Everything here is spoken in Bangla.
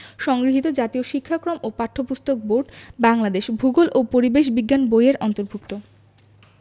সংগৃহীত জাতীয় শিক্ষাক্রম ও পাঠ্যপুস্তক বোর্ড বাংলাদেশ ভূগোল ও পরিবেশ বিজ্ঞান বই এর অন্তর্ভুক্ত